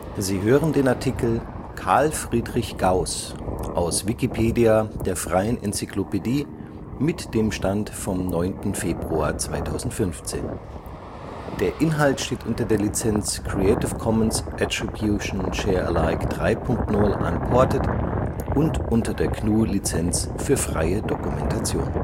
Sie hören den Artikel Carl Friedrich Gauß, aus Wikipedia, der freien Enzyklopädie. Mit dem Stand vom Der Inhalt steht unter der Lizenz Creative Commons Attribution Share Alike 3 Punkt 0 Unported und unter der GNU Lizenz für freie Dokumentation